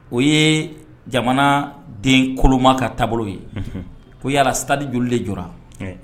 O ye jamana den koloma ka taabolo ye ;Unhun ; ko yala stade joli de jɔra; wɛ.